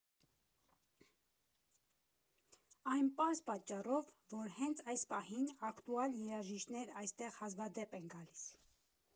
Այն պարզ պատճառով, որ հենց այս պահին ակտուալ երաժիշտներ այստեղ հազվադեպ են գալիս։